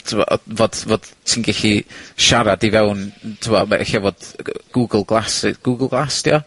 t'mod, odd. fod, fod ti'n gellu siarad i fewn, n- t'mod, ma' ella fod yy Google glasses, Google glass 'di o?